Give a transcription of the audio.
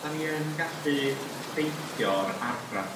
'dan ni yn gallu effeithio'r argraff